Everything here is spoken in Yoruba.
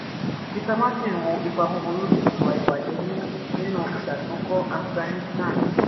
Peter Martin wo ipa búburú tí ìwà ìbàjẹ́ ní nínú ìṣàtúnkọ́ Afghanistan.